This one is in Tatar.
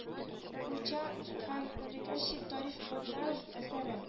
Хуща һәм приказчик тариф богданов әсәре